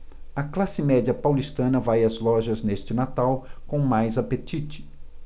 a classe média paulistana vai às lojas neste natal com mais apetite